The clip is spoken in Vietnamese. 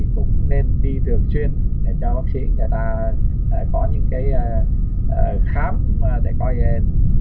thì cũng nên đi thường xuyên để cho nó khiến người ta lại có những cái a khám mà để coi